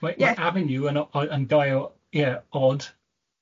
Mae mae... yeah... avenue yn o- ai- yn gair o- ie, od.